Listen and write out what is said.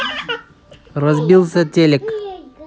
разбился телек